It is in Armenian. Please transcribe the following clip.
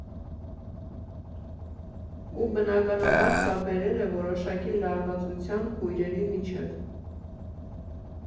Ու, բնականաբար, սա բերել է որոշակի լարվածության քույրերի միջև։